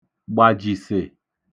gbàjìsị̀